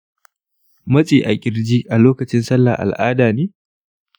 matsi a kirji a lokacin sallah al'ada ne?